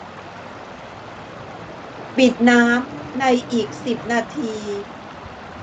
ปิดน้ำในอีกสิบนาที